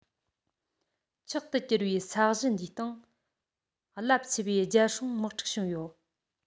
མཆོག ཏུ གྱུར པའི ས གཞི འདིའི སྟེང རླབས ཆེ བའི རྒྱལ སྲུང དམག འཁྲུག བྱུང ཡོད